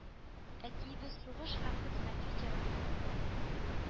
Әтиебез сугыш һәм хезмәт ветераны